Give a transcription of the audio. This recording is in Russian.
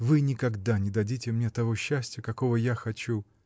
Вы никогда не дадите мне того счастья, какого я хочу.